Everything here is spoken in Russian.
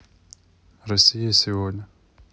россия сегодня